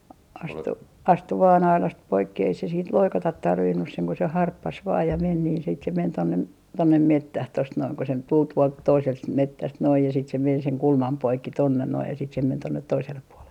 astui astui vain aidasta poikki ei se siitä loikata tarvinnut sen kun se harppasi vain ja meni niin sitten se meni tuonne tuonne metsään tuosta noin kun se tuli tuolta toiselta - metsästä noin ja sitten se meni sen kulman poikki tuonne nuo ja sitten se meni tuonne toiselle puolen